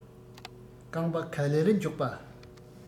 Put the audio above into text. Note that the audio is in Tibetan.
རྐང པ ག ལེར འཇོག པ